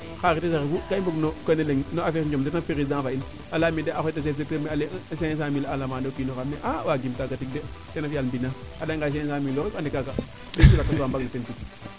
xarites a ref u kaa i mbo no kene leŋ no affaire njomne te ref president fee in a leyame daal cinq cent mille a alamanu o kiino xe mais a waagiim taaga tig de ten ref yaal mbinaa a ;leya nga 500 mille lo aniye lakas waa mbage taaga tig